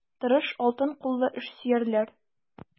Тырыш, алтын куллы эшсөярләр.